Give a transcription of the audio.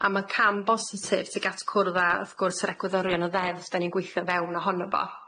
A ma' cam bositif tuag at cwrdd a wrth gwrs yr egwyddorion o ddeddf dan ni'n gweitho fewn ohono fo.